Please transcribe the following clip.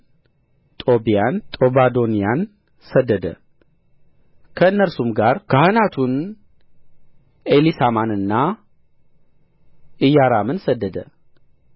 ጦብያን ጦባዶንያን ሰደደ ከእነርሱም ጋር ካህናቱን ኤሊሳማንና ኢዮራምን ሰደደ